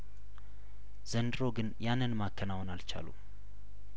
ዘንድሮ ግን ያንን ማከናወን አልቻሉም